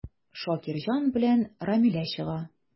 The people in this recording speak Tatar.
Шакирҗан белән Рамилә чыга.